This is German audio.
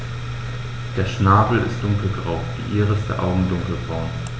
Der Schnabel ist dunkelgrau, die Iris der Augen dunkelbraun.